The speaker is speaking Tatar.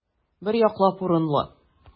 Бер яклап урынлы.